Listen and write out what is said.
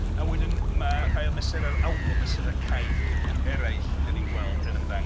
A wedyn mae rhai o'r mesurau'r awdl, mesurau caeth eraill dan ni'n gweld yn ymddangos.